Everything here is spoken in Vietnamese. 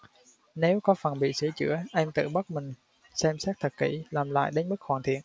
nếu có phần bị sửa chữa em tự bắt mình xem xét thật kỹ làm lại đến mức hoàn thiện